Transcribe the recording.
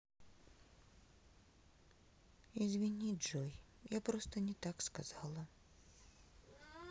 извини джой я просто не так сказала